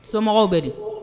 Somɔgɔw bɛ di